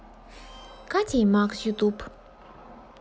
катя и макс ютуб